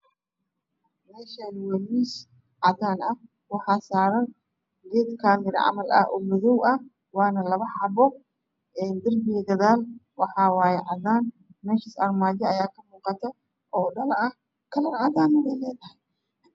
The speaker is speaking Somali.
Messhani waa miis cadaan ah waxaa saran gees kaamira camal ah oo madow aha waan lapo xapo darpiga gadaalana waxaa waye cadaan meshaas aramajo aaya ka muuqato oo dhaal ah kalr cadaana ahna wey leedahy